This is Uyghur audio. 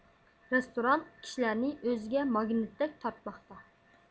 رېستوران كىشىلەرنى ئۆزىگە ماگنىتتەك تارتماقتا